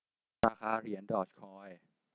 ราคาเหรียญดอร์จคอย